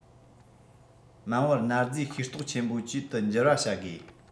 མ འོངས པར གནའ རྫས ཤེས རྟོགས ཆེན པོ བཅུའི ཏུ འགྱུར བ བྱ དགོས